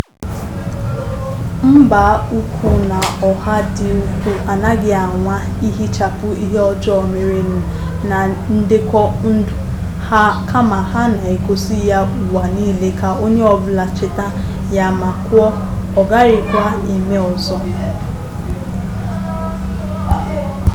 Mba úkwú na ọha dị úkwù anaghị anwa ihichapụ ihe ọjọọ merenụ na ndekọ ndụ ha kama ha na-egosi ya ụwa niile ka onye ọ bụla cheta ya ma kwuo "Ọ GAGHỊKWA EME ỌZỌ".